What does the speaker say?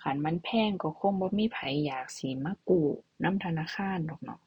คันมันแพงถูกคงบ่มีไผอยากสิมากู้นำธนาคารดอกเนาะ